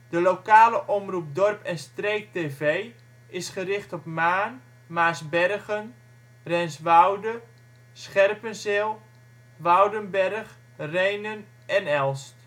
De lokale omroep Dorp en streek tv, is gericht op Maarn, Maarsbergen, Renswoude, Scherpenzeel, Woudenberg, Rhenen en Elst